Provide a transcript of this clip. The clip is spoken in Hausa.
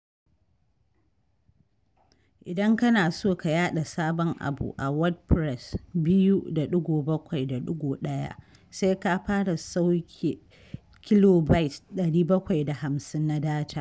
Idan kana so ka yaɗa sabon abu a 'WordPress (2.7.1)' sai ka fara sauke 750kb na data.